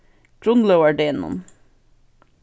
grundlógardegnum